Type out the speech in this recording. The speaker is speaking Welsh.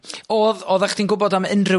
O'dd odda chdi'n gw'bod am unrhyw